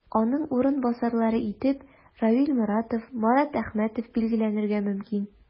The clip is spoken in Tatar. Аның урынбасарлары итеп Равил Моратов, Марат Әхмәтов билгеләнергә мөмкин.